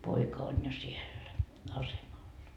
poika on jo siellä asemalla